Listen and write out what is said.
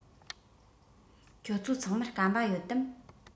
ཁྱོད ཚོ ཚང མར སྐམ པ ཡོད དམ